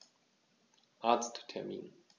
Arzttermin